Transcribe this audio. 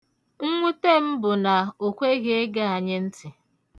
Nnwute m bụ na okweghị ige anyị ntị.